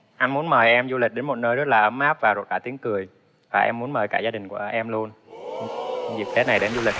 anh muốn mời em du lịch đến một nơi rất là ấm áp và rộn rã tiếng cười và em muốn mời cả gia đình của em luôn dịp tết này đến du lịch